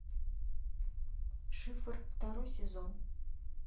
шифр второй сезон